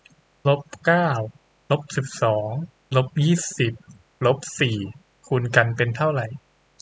ลบเก้าลบสิบสองลบยี่สิบลบสี่คูณกันเป็นเท่าไร